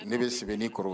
Ne bɛ sɛbɛnni kɔrɔ